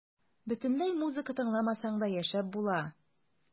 Бөтенләй музыка тыңламасаң да яшәп була.